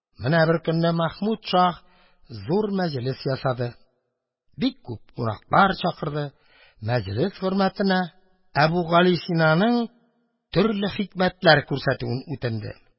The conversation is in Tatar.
Менә беркөнне Мәхмүд шаһ зур мәҗлес ясады, бик күп кунаклар чакырды, мәҗлес хөрмәтенә Әбүгалисинаның төрле хикмәтләр күрсәтүен үтенде.